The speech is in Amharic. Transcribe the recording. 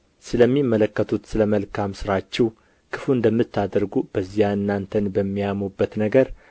ስለሚመለከቱት ስለ መልካም ሥራችሁ ክፉ እንደምታደርጉ በዚያ እናንተን በሚያሙበት ነገር